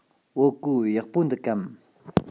བོད གོས ཡག པོ འདུག གམ